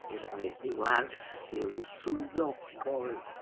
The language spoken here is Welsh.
I roi ryw arlliw swyddogol.